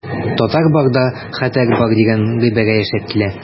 Татар барда хәтәр бар дигән гыйбарә яшәп килә.